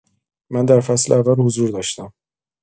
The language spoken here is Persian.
من در فصل اول حضور داشتم.